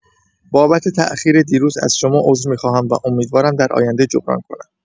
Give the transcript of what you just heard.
بابت تاخیر دیروز، از شما عذر می‌خواهم و امیدوارم در آینده جبران کنم.